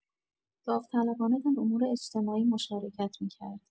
داوطلبانه در امور اجتماعی مشارکت می‌کرد.